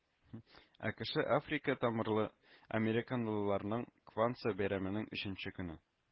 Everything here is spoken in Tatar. АКэШэ Африка тамырлы американлыларның Кванца бәйрәменең өченче көне